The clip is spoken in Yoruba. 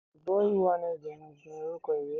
The Boy Who Harnessed the Wind ni orúkọ ìwé náà.